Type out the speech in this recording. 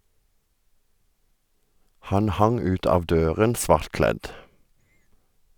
Han hang ut av døren, svartkledt.